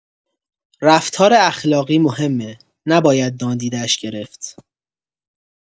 رفتار اخلاقی مهمه، نباید نادیده‌اش گرفت.